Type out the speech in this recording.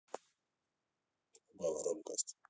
убавь громкость